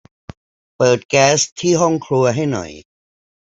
เปิดแก๊สที่ห้องครัวให้หน่อย